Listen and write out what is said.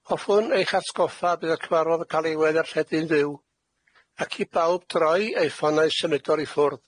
Hoffwn eich atgoffa bydd y cyfarfod yn cael we- ddarlledu'n fyw, ac i bawb droi eu ffonau symudol i ffwrdd.